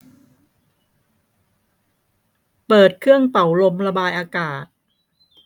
เปิดเครื่องเป่าลมระบายอากาศ